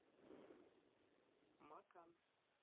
макан